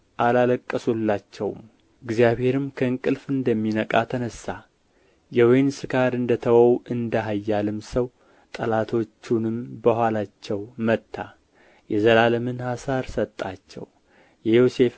አላለቀሱላቸውም እግዚአብሔርም ከእንቅልፍ እንደሚነቃ ተነሣ የወይን ስካር እንደ ተወው እንደ ኃያልም ሰው ጠላቶቹንም በኋላቸው መታ የዘላለምን ኀሣር ሰጣቸው የዮሴፍ